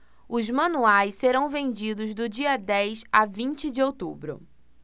os manuais serão vendidos do dia dez a vinte de outubro